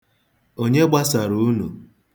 Onye gbasara unu?